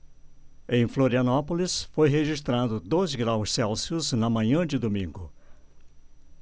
em florianópolis foi registrado dois graus celsius na manhã de domingo